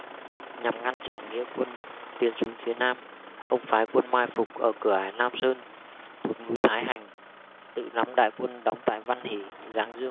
nhằm ngăn trở nghĩa quân tiến xuống phía nam ông phái quân mai phục ở cửa ải nam sơn thuộc núi thái hành tự nắm đại quân đóng tại văn hỷ giáng dương